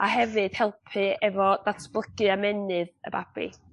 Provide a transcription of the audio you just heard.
a hefyd helpu efo ddatblygu amenydd y babi.